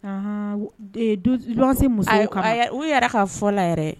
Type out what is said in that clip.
Aa u yɛrɛ ka fɔ la yɛrɛ